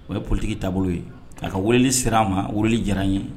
O ye politigi taabolo ye k'a ka weleli sira a ma wele diyara n ye